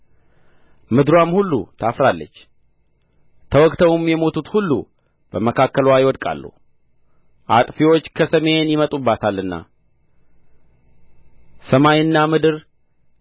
ምድርዋም ሁሉ ታፍራለች ተወግተውም የሞቱት ሁሉ በመካከልዋ ይወድቃሉ አጥፊዎች ከሰሜን ይመጡባታልና ሰማይና ምድር